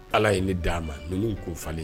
Ala ye ne da ma nunun kun falen